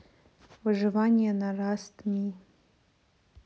выживание на раст ми